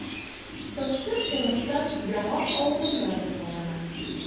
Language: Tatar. Кызчык тумыштан яңак авыруыннан җәфалана.